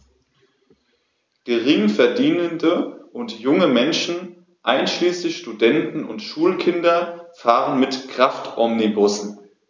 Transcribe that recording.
Geringverdienende und junge Menschen, einschließlich Studenten und Schulkinder, fahren mit Kraftomnibussen.